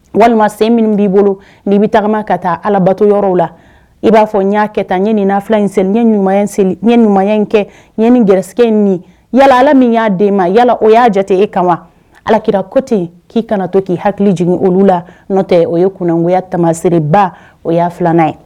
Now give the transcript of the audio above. Walima sen min b'i bolo ni i bɛ tagama ka taa alabato yɔrɔ la i b'a fɔ n'a kɛ taa ɲani in seli ye ɲuman ɲumanya in kɛani gsɛgɛ nin yala ala min y'a di e ma yala o y'a jate e kama alakira ko ten k'i kana to k'i hakili jigin olu la n nɔ tɛ o ye kungoya tamasereba o y'a filanan ye